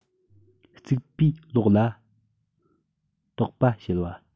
རྩིག པའི ལོགས ལ འདག པ བྱིལ བ